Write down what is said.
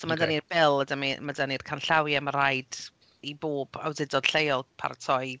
So... ok. ...ma' dan ni'r bil 'da ni... ma' 'da ni'r canllawiau ma' raid i bob awdurdod lleol paratoi...